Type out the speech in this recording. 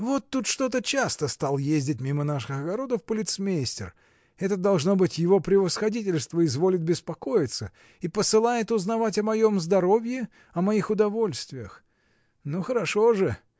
Вот тут что-то часто стал ездить мимо наших огородов полициймейстер: это, должно быть, его превосходительство изволит беспокоиться и подсылает узнавать о моем здоровье, о моих удовольствиях. Ну, хорошо же!.